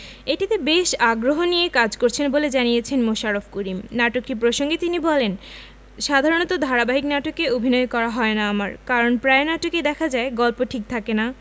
এটিতে বেশ আগ্রহ নিয়ে কাজ করছেন বলে জানিয়েছেন মোশাররফ করিম নাটকটি প্রসঙ্গে তিনি বলেন সাধারণত ধারাবাহিক নাটকে অভিনয় করা হয় না আমার কারণ প্রায় নাটকেই দেখা যায় গল্প ঠিক থাকে না